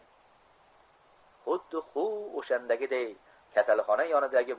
xuddi ho'v o'shandagiday kasalxona yonidagi